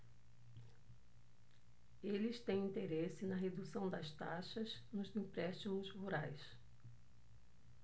eles têm interesse na redução das taxas nos empréstimos rurais